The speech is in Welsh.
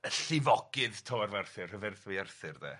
y llifogydd torf Arthur rhyfethwy Arthur 'de.